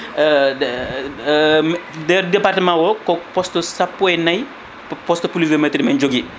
nder département o ko poste sappo e nayyi poste pluviométrie min jogui